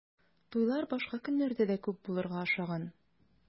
Туйлар башка көннәрдә дә күп булырга охшаган.